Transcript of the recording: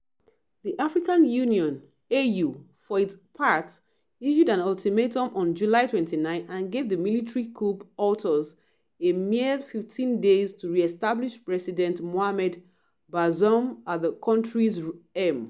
The African Union (AU), for its part, issued an ultimatum on July 29 and gave the military coup authors a mere 15 days to reestablish President Mohamed Bazoum at the country's helm.